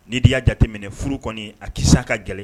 Ndenya jateminɛ furu kɔni a kisi a ka gɛlɛn